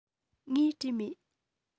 ངས བྲིས མེད